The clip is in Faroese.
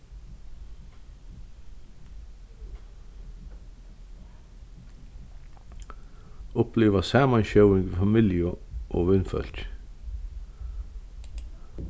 uppliva samansjóðing við familju og vinfólki